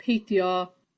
peidio